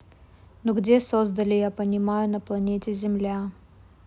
ну где создали я понимаю на планете земля